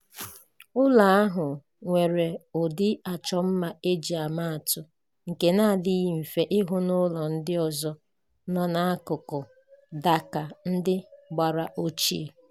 Ụlọ ahụ nwere ụdị achọmma e ji ama atụ nke na-adịghị mfe ịhụ n'ụlọ ndị ọzọ nọ n'akụkụ Dhaka ndị gbara ochie.